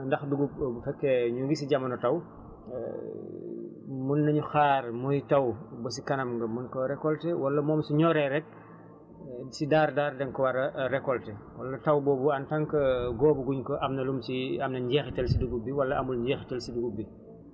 ndax dugub bu fekkee ñu ngi si jamono taw mun nañu xaar muy taw ba si kanam nga mun koo récolter wala moom si ñoree rekk si daar-daar dañ ko war a récolter wala taw boobu en tant que góob a guñ ko am na lum iy am na njeexital si dugub bi wala amul njeexital si dugub bi